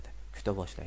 kuta boshlaydi